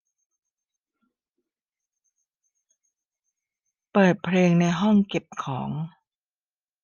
เปิดเพลงในห้องเก็บของ